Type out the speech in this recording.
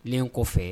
Lien kɔ fɛɛ